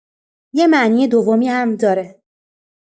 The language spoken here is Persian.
یه معنی دومی هم داره!